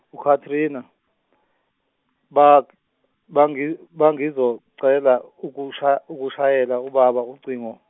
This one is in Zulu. u- Cathrina bag- bangi- bangizocela ukusha- ukushayela ubaba ucingo.